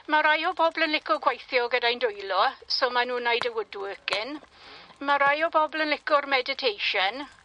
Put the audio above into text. ma' rai o bobol yn lico gweithio gydain dwylo, so ma' nw'n neud y wood working, ma' rai o bobol yn lico'r meditation.